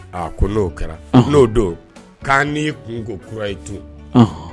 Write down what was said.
A ko n'o kɛra n'o don k' ni kunko kura ye tun